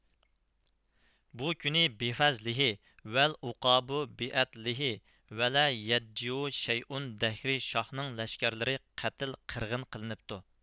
بۇ كۈنى بىفەزلىھې ۋەل ئۇقابۇ بىئەدلىھې ۋەلە يەدجىبۇ شەيئۇن دەھرىي شاھنىڭ لەشكەرلىرى قەتل قىرغىن قىلىنىپتۇ